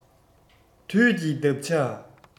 དུས ཀྱི འདབ ཆགས